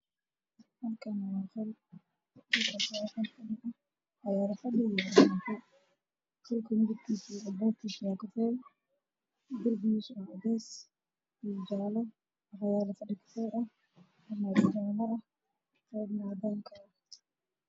Waa qol waxaa yaalo kuraas fadhi midabkooda yahay qaxwi t v madow ayaa darbiga ku dhigeen